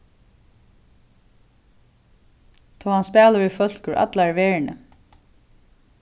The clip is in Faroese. tá hann spælir við fólk úr allari verðini